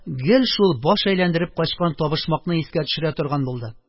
Гел шул баш әйләндереп качкан «табышмак»ны искә төшерә торган булды